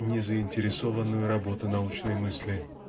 незаинтересованную работу научной мысли